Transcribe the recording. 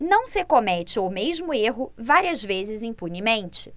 não se comete o mesmo erro várias vezes impunemente